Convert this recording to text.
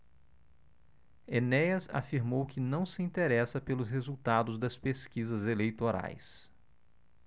enéas afirmou que não se interessa pelos resultados das pesquisas eleitorais